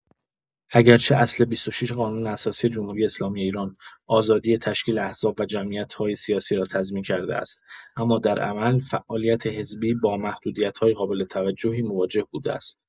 اگرچه اصل ۲۶ قانون اساسی جمهوری‌اسلامی ایران، آزادی تشکیل احزاب و جمعیت‌های سیاسی را تضمین کرده است، اما در عمل، فعالیت حزبی با محدودیت‌های قابل توجهی مواجه بوده است.